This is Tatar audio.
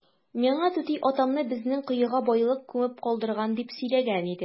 Миңа түти атамны безнең коега байлык күмеп калдырган дип сөйләгән иде.